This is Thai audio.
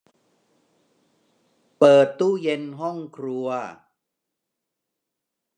เปิดตู้เย็นห้องครัว